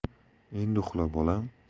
endi uxla bolam